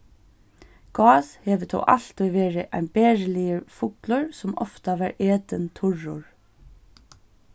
gás hevur tó altíð verið ein beriligur fuglur sum ofta varð etin turrur